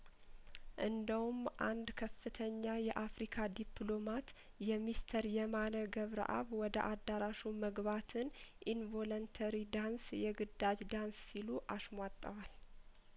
እንደ ውም አንድ ከፍተኛ የአፍሪካ ዲፕሎማት የሚስተር የማነ ገብረአብ ወደ አዳራሹ መግባትን ኢን ቮለንተሪ ዳንስ የግዳጅ ዳንስ ሲሉ አሽሟጠዋል